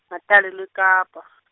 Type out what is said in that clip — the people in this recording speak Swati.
ngatalelwa eKapa.